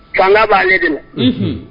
Fan b'a ale de